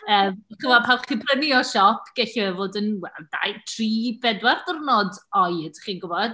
Yym chimod, pan chi'n prynu o siop, gallai fe fod yn wel, dau, dri, pedwar diwrnod oed chi'n gwybod.